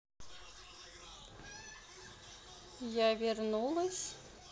я вернулась